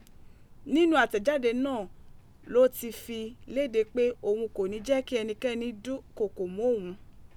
Ninu atẹjade naa lo ti fi lede pe oun ko ni jẹ ki ẹnikẹni dunkoko mọ oun.